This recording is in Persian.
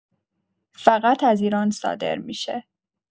فقط از ایران صادر می‌شه